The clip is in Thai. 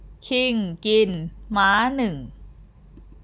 คิงกินม้าหนึ่ง